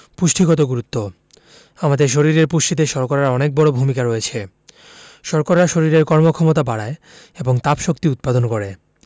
পুষ্টিগত গুরুত্ব আমাদের শরীরের পুষ্টিতে শর্করার অনেক বড় ভূমিকা রয়েছে শর্করা শরীরের কর্মক্ষমতা বাড়ায় এবং তাপশক্তি উৎপাদন করে